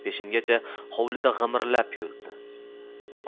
peshingacha hovlida g'imirlab yurdi